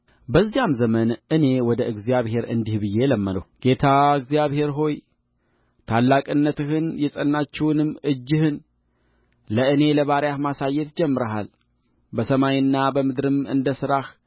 በዚያም ዘመን እኔ ወደ እግዚአብሔር እንዲህ ብዬ ለመንሁጌታ እግዚአብሔር ሆይ ታላቅነትህን የጸናችውንም እጅህን ለእኔ ለባሪያህ ማሳየት ጀምረሃል በሰማይና በምድርም እንደ ሥራህ